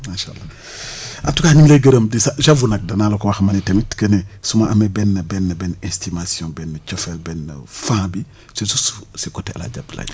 macha allh en tout cas ñu ngi lay gërëm di j' fra a j' avoue nag danaa la ko wax mani tamit que ne su ma amee benn benn benn estimation benn cofeel benn fan bi c' est juste si côté El Hadj Abdoulaye Niass